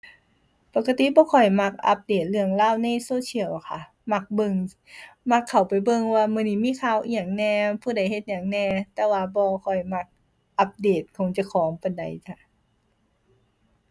ปกติบ่ค่อยมักอัปเดตเรื่องราวในโซเชียลค่ะ มักเบิ่ง มักเข้าไปเบิ่งว่ามื้อนี่มีข่าวอิหยังแหน่ ผู้ใดเฮ็ดหยังแหน่ แต่ว่าบ่ค่อยมักอัปเดตของเจ้าของปานใดค่ะ